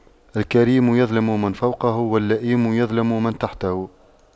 الكريم يظلم من فوقه واللئيم يظلم من تحته